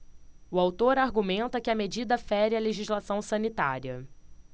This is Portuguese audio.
o autor argumenta que a medida fere a legislação sanitária